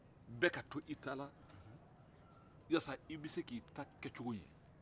bɛɛ ka to i ta la yasa i be se ka i ta kɛcogo ye